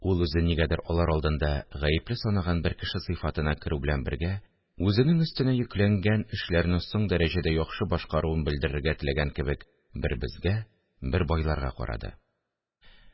Ул, үзен нигәдер алар алдында гаепле санаган бер кеше сыйфатына керү белән бергә, үзенең өстенә йөкләнгән эшләрне соң дәрәҗәдә яхшы башкаруын белдерергә теләгән кебек, бер безгә, бер байларга карады